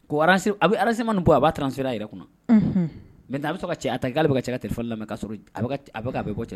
A bɛ renseignements ninnu bɔ, a b'a bɛɛ transferer a yɛrɛ kun na; unhun, maintenant a bi sɔrɔ ka cɛ attaquer k'a le bɛka cɛ ka telephone lamɛn k'a sɔrɔ a bɛka a bɛɛ bɔ cɛ kun.